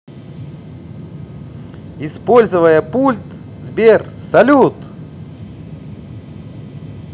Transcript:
использовая пульт сбер салют